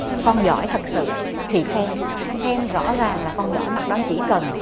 con giỏi thật sự thì khen khen rõ ràng là con giỏi mặt đó chỉ cần